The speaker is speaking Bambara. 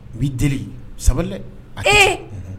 U bɛ deli sabali a